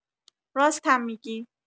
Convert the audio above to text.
راستم می‌گی